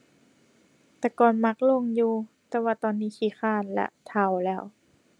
แต่ก่อนมักลงอยู่ แต่ว่าตอนนี้ขี้คร้านแล้ว เฒ่าแล้ว